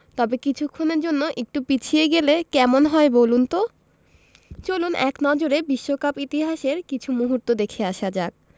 তবে কিছুক্ষণের জন্য একটু পিছিয়ে গেলে কেমন হয় বলুন তো চলুন এক নজরে বিশ্বকাপ ইতিহাসের কিছু মুহূর্ত দেখে আসা যাক